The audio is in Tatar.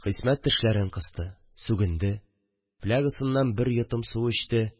Хисмәт тешләрен кысты. Сүгенде. Флягасыннан бер йотым су эчте